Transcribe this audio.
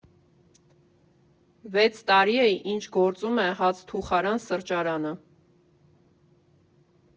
Վեց տարի է, ինչ գործում է հացթուխարան֊սրճարանը։